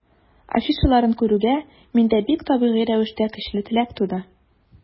Афишаларын күрүгә, миндә бик табигый рәвештә көчле теләк туды.